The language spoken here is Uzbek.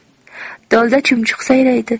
tolda chumchuq sayraydi